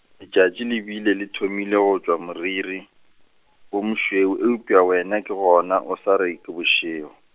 letšatši le bile le thomile go tšwa moriri, wo mošweu eupša wena ke gona o sa re ke bošego.